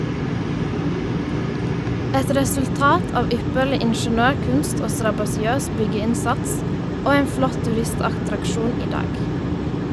Et resultat av ypperlig ingeniørkunst og strabasiøs byggeinnsats, og en flott turistattraksjon i dag.